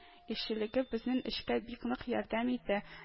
Илчелеге безнең эшкә бик нык ярдәм итә»